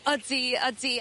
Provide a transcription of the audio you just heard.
Odi odi.